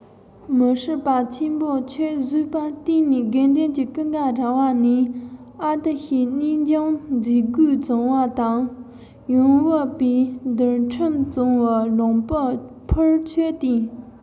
མེ ཧྲི པ ཆེན པོ ཁྱོད བཟོས པར བརྟེན ནས དགེ འདུན གྱི ཀུན དགའ རྭ བ ནས ཨ ཏི ཤས གནས འབྱུང མཛད དགོས བྱུང བ དང ཡང བིརྺ པས འདུལ འཁྲིམས གཙང བའི ལུང པའི ཕུར ཁྱོད རྟེན